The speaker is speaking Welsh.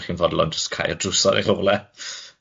'Da chi'n fodlon jys cau'r drws ar eich hole